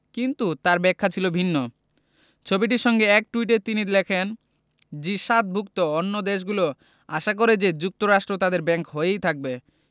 কিন্তু তাঁর ব্যাখ্যা ছিল ভিন্ন ছবিটির সঙ্গে এক টুইটে তিনি লেখেন জি ৭ ভুক্ত অন্য দেশগুলো আশা করে যে যুক্তরাষ্ট্র তাদের ব্যাংক হয়েই থাকবে